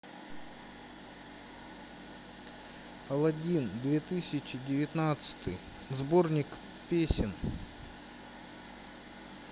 алладин две тысячи девятнадцатый сборник песен